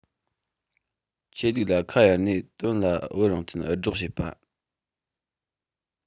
ཆོས ལུགས ལ ཁ གཡར ནས དོན ལ བོད རང བཙན འུར སྒྲོག བྱེད པ